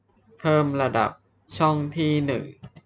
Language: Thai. เพิ่มระดับช่องที่หนึ่ง